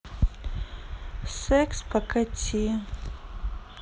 секс покати